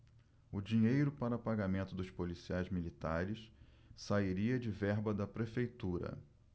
o dinheiro para pagamento dos policiais militares sairia de verba da prefeitura